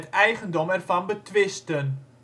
eigendom ervan betwisten